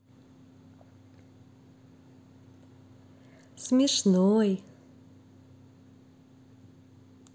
смешной